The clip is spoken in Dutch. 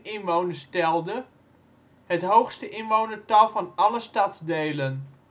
inwoners telde, het hoogste inwonertal van alle stadsdelen